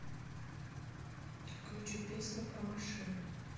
включи песню про машины